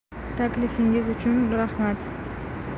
taklifingiz uchun uchun rahmat